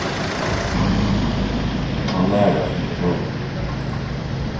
mann lærir av sínum feilum